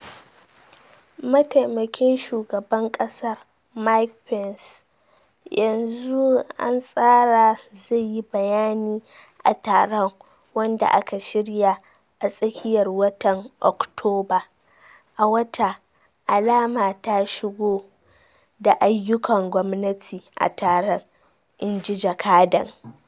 Mataimakin shugaban kasar Mike Pence yanzu an tsara zai yi bayani a taron, wanda aka shirya a tsakiyar watan Oktoba, a wata alama ta shigo da ayyukan gwamnati a taron, in ji jakadan.